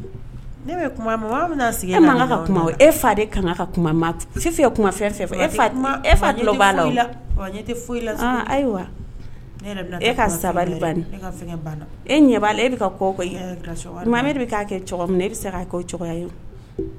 Kuma fɛn ayiwa sabali kɛ